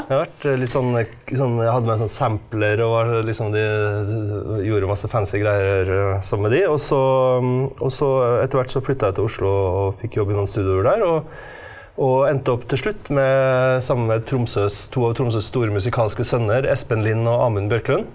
jeg har vært litt sånn sånn hadde med en sånn sampler og var litt sånn det gjorde masse fancy greier sammen med de, og så og så etter hvert så flytta jeg til Oslo og fikk jobb i noen studioer der og og endte opp til slutt med sammen med Tromsøs to av Tromsøs store musikalske sønner, Espen Lind og Amund Bjørklund.